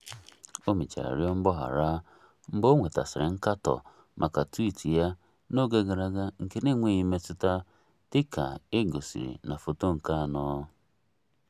O mechara rịọ mgbaghara, mgbe o nwetasịrị nkatọ, maka twiiti ya n'oge gara aga nke "na-enweghị mmetụta" dịka e gosiri na Foto nke 4.